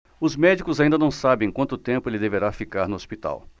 os médicos ainda não sabem quanto tempo ele deverá ficar no hospital